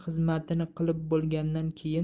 xizmatini qilib bo'lgandan keyin